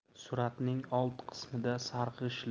suratning old qismida sarg'ish